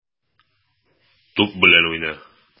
Туп белән уйна.